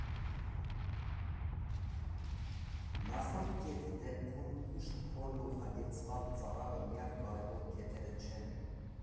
Նախորդ կետի դեպքում կուշտ փորն ու հագեցված ծարավը միակ կարևոր կետերը չեն։